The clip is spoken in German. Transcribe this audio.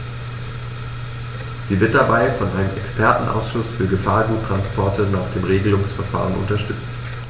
Sie wird dabei von einem Expertenausschuß für Gefahrguttransporte nach dem Regelungsverfahren unterstützt.